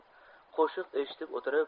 qo'shiq eshitib o'tirib